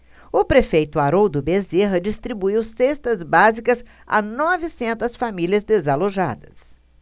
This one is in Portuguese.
o prefeito haroldo bezerra distribuiu cestas básicas a novecentas famílias desalojadas